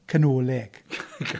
Canôlig